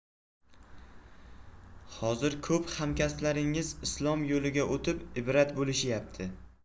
hozir ko'p hamkasblaringiz islom yo'liga o'tib ibrat bo'lishyapti